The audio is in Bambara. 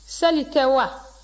seli tɛ wa